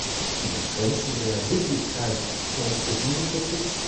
die Grenzen der Sittlichkeit und des Jugendschutzes